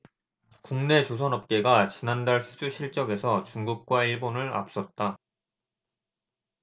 국내 조선업계가 지난달 수주 실적에서 중국과 일본을 앞섰다